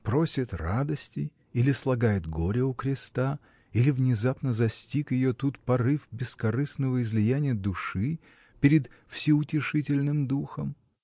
— Просит радости или слагает горе у креста, или внезапно застиг ее тут порыв бескорыстного излияния души перед всеутешительным духом?